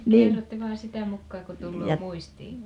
kerrotte vain sitä mukaa kuin tulee muistiin